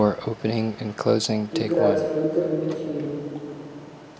играть в игры не фильм